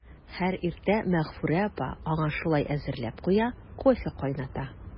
Һәр иртә Мәгъфүрә апа аңа шулай әзерләп куя, кофе кайната.